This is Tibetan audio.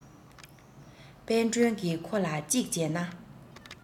དཔལ སྒྲོན གྱིས ཁོ ལ གཅིག བྱས ན